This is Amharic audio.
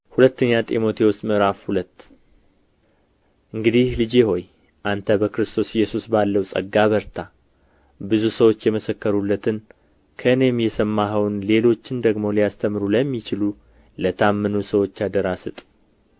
ሁለተኛ ጢሞቴዎስ ምዕራፍ ሁለት እንግዲህ ልጄ ሆይ አንተ በክርስቶስ ኢየሱስ ባለው ጸጋ በርታ ብዙ ሰዎች የመሰከሩለትን ከእኔም የሰማኸውን ሌሎችን ደግሞ ሊያስተምሩ ለሚችሉ ለታመኑ ሰዎች አደራ ስጥ